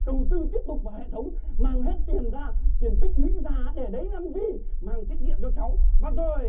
đầu tư tiếp tục vào hệ thống mang hết tiền ra tiền tích lũy ra để đấy làm gì mang tiết kiệm cho cháu và rồi